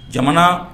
Jamana